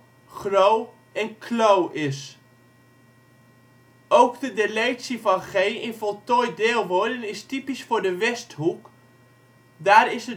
grow en klow is. Ook de deletie van g in voltooid deelwoorden is typisch voor de Westhoek, daar is